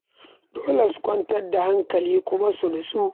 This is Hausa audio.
Dole su kwantar da hankali kuma su nitsu."